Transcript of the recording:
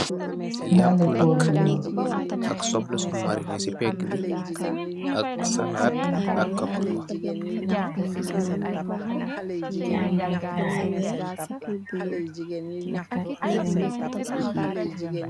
Dalah goor yu null .